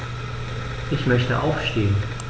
Ich möchte aufstehen.